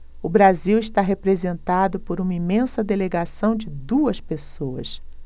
o brasil está representado por uma imensa delegação de duas pessoas